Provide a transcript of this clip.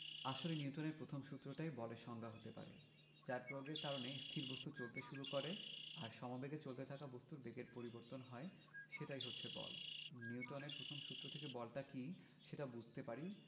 আসলে নিউটনের প্রথম সূত্রটাই বলের সংজ্ঞা হতে পারে যার প্রয়োগের কারণে স্থির বস্তু চলতে শুরু করে আর সমবেগে চলতে থাকা বস্তুর বেগের পরিবর্তন হয় সেটাই হচ্ছে বল নিউটনের প্রথম সূত্র থেকে বলটা কী সেটা বুঝতে পারি